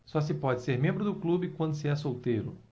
só se pode ser membro do clube enquanto se é solteiro